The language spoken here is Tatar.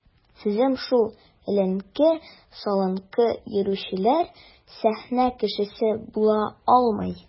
Сүзем шул: эленке-салынкы йөрүчеләр сәхнә кешесе була алмый.